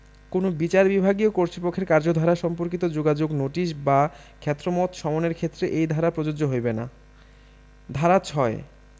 কোন বিচার বিভাগীয় কর্তৃপক্ষের কার্যধারা সম্পর্কিত যোগাযোগ নোটিশ বা ক্ষেত্রমত সমনের ক্ষেত্রে এই ধারা প্রযোজ্য হইবে না ধারা ৬